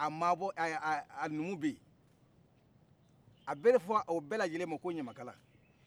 a numu beyi a bɛ f' o bɛlajɛle ma ko ɲamakala